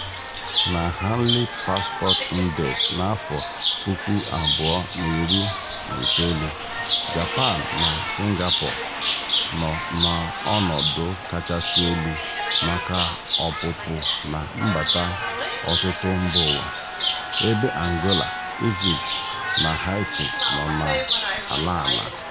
Na Henley Passport Index n'afọ 2019, Japan na Singapore nọ n'ọnọdụ kachasị elu maka ọpụpụ na mbata ọtụtụ mbaụwa, ebe Angola, Ijipt na Haiti nọ n'ala ala.